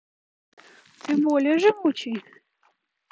ты более живучий